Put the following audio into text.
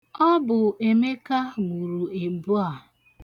Ọ bụ Emeka gburu ebu a.